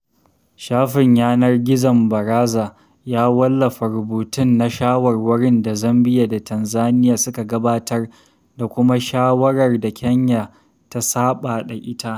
Shafin yanar gizon Baraza ya wallafa rubutun na shawarwarin da Zambia da Tanzania suka gabatar da kuma shawarar da Kenya ta saɓa da ita.